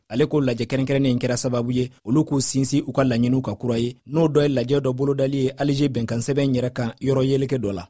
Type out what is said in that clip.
ale ko lajɛ kɛrɛnkɛrɛnnen in kɛra sababu ye olu k'u sinsin u ka laɲinikan kura ye n'o ye ka lajɛ dɔ kɛ alize bɛnkansɛbɛn in yɛrɛ kan yɔrɔ yeleke dɔ la